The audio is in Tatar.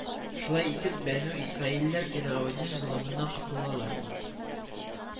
Шулай итеп Бәнү Исраилләр Фиргавеннең золымыннан котылалар